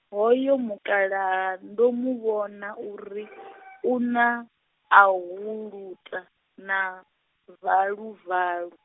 hoyo mukalaha ndo mu vhona uri, u na, ahuluta na, valuvalu.